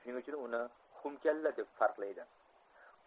shuning uchun uni xumkalla deb farqlaydi